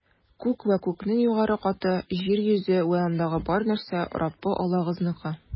Күк вә күкнең югары каты, җир йөзе вә андагы бар нәрсә - Раббы Аллагызныкы.